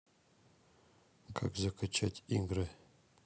как закачать игры